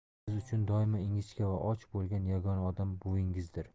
siz uchun doimo ingichka va och bo'lgan yagona odam buvingizdir